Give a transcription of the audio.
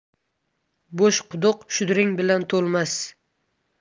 bo'sh quduq shudring bilan to'lmas